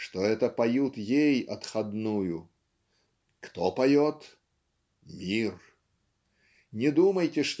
что это поют ей отходную. Кто поет? Мир. Не думайте